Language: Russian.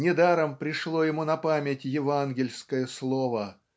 Недаром пришло ему на память евангельское слово